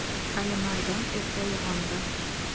alimardon erta uyg'ondi